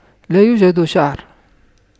لا يوجد شعر